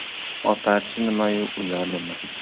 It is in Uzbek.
otarchi nimayu ular nima